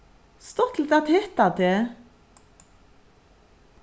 stuttligt at hitta teg